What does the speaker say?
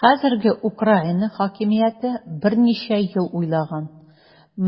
Хәзерге Украина хакимияте берничә ел уйлаган,